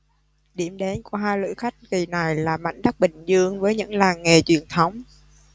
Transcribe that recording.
điểm đến của hai lữ khách kì này là mãnh đất bình dương với những làng nghề truyền thống